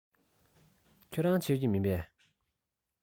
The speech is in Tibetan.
ཁྱོད རང མཆོད ཀྱི མིན པས